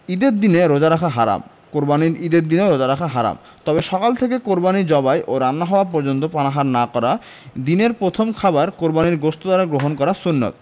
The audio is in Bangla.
ঈদের দিনে রোজা রাখা হারাম কোরবানির ঈদের দিনেও রোজা রাখা হারাম তবে সকাল থেকে কোরবানি জবাই ও রান্না হওয়া পর্যন্ত পানাহার না করে দিনের প্রথম খাবার কোরবানির গোশত দ্বারা গ্রহণ করা সুন্নত